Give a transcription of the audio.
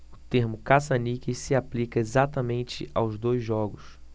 o termo caça-níqueis se aplica exatamente aos dois jogos